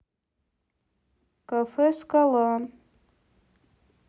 кафе скала